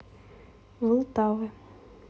влтавы